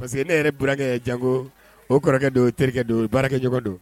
Parce que ne yɛrɛ bkɛ ye jango o kɔrɔkɛ don terikɛ don baarakɛɲɔgɔn don